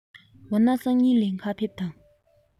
འོ ན སང ཉིན ལེན ག ཕེབས དང